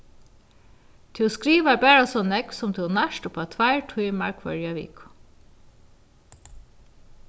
tú skrivar bara so nógv sum tú nært upp á tveir tímar hvørja viku